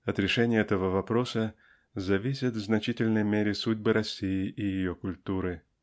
От решения этого вопроса зависят в значительной мере судьбы России и ее культуры.